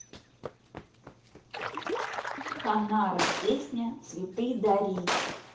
ханаро песня цветы дарить